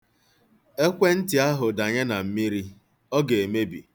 Ekwentị ahụ danye na mmiri, ọ ga-emebi.